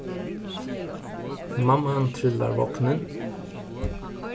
mamman trillar vognin